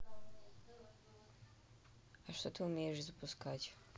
а что ты умеешь запускать